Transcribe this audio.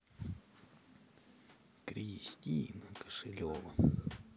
кристина кошелева